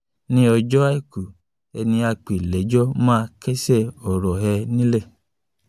Ní ọjọ́ Àìkú, ẹniapèlẹ́jọ́ máa kẹ́sẹ̀ ọ̀rọ̀ ẹ̀ nílẹ̀